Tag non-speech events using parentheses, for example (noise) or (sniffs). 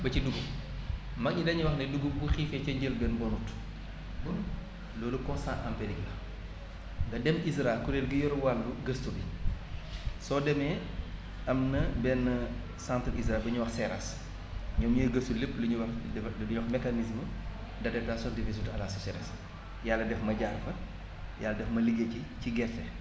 ba ci dugub (sniffs) maa ngi leen wax ne dugub bu xiifee ca njëlbéen bonut loolu constat empirique la nga dem ISRA kuréel gi yor wàllu gëstu bi soo demee am na benn centre ISRA bu ñuy wax ñoom ñooy gëstu lépp lu ñuy wax déve lu ñuy wax mécanisme d' adaptation des résidus à la sécheresse Yàlla def ma jaar fa Yàlla def ma liggéey ci ci gerte